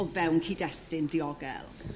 o fewn cyd-destun diogel.